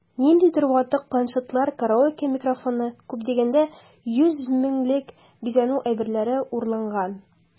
Ниндидер ватык планшетлар, караоке микрофоны(!), күп дигәндә 100 меңлек бизәнү әйберләре урлаганнар...